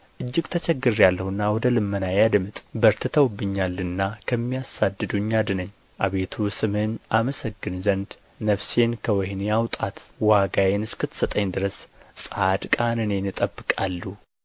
እጅግ ተቸግሬአለሁና ወደ ልመናዬ አድምጥ በርትተውብኛልና ከሚያሳድዱኝ አድነኝ አቤቱ ስምህን አመሰግን ዘንድ ነፍሴን ከወህኒ አውጣት ዋጋዬን እስክትሰጠኝ ድረስ ጻድቃን እኔን ይጠብቃሉ